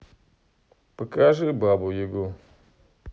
покажи бабу ягу